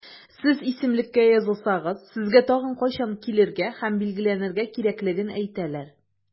Сез исемлеккә языласыз, сезгә тагын кайчан килергә һәм билгеләнергә кирәклеген әйтәләр.